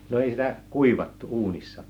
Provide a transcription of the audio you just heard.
no ei sitä kuivattu uunissa